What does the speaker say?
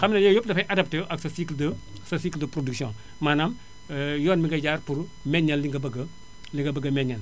wxam ne yooyu yëpp dafay adapté wu ak sa cycle de sa cycle de production maanaam yoon bi ngay jaar pour meññal li nga bëgg a li nga bëgg a meññal